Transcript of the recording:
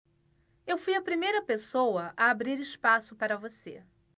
eu fui a primeira pessoa a abrir espaço para você